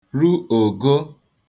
ru ògo